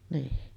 niin